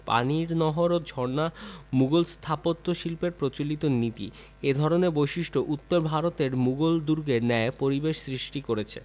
পানির নহর ও ঝর্ণা মুগল স্থাপত্য শিল্পের প্রচলিত নীতি এ ধরনের বৈশিষ্ট্য উত্তর ভারতের মুগল দুর্গের ন্যায় পরিবেশ সৃষ্টি করেছে